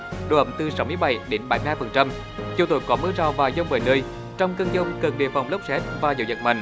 độ ẩm từ sáu mươi bảy đến bảy mươi hai phần trăm chiều tối có mưa rào và dông vài nơi trong cơn dông cần đề phòng lốc sét và gió giật mạnh